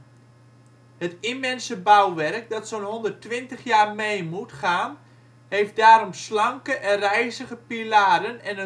immense bouwwerk dat zo 'n 120 jaar mee moet gaan, heeft daarom slanke en rijzige pilaren en